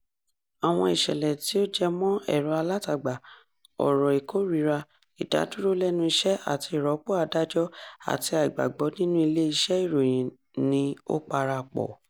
Àwọn ìṣẹ̀lẹ̀ tí ó jẹ́ mọ́n ẹ̀rọ-alátagbà, ọ̀rọ̀ ìkórìíra, ìdádúró lẹ́nu iṣẹ́ àti ìrọ́pò adájọ́, àti àìgbàgbọ́ nínú ilé iṣẹ́ ìròyìn ni ó parapọ̀.